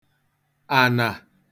ànà